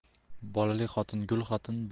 bolali xotin gul xotin